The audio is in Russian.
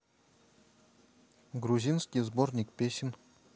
грузинский сборник песен